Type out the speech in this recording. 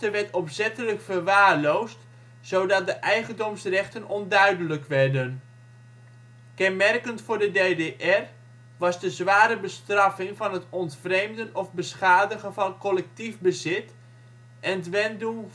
werd opzettelijk verwaarloosd zodat de eigendomsrechten onduidelijk werden. Kenmerkend voor de DDR was de zware bestraffing van het ontvreemden of beschadigen van collectief bezit: " Entwendung